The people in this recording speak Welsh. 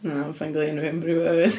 Na, ma' penglin fi'n brifo hefyd.